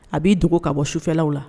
A b'i dogo ka bɔ sufɛlalaw la